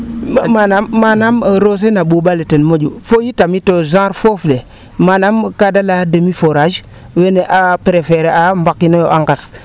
manam roose na ɓuuɓale ten moƴu fo yi tamit genre foof le manam kaa de leya demi forage wene a preferé a mbaqino yo a ŋas